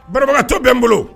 Babagagantɔ bɛ n bolo